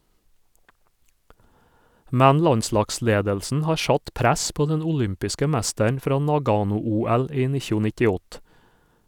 Men landslagsledelsen har satt press på den olympiske mesteren fra Nagano-OL i 1998.